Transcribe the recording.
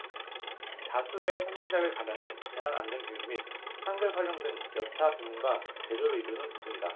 다수의 선정작을 가려낸 재난안전교육 및 한글 활용 등 여타 부문과 대조를 이루는 부분이다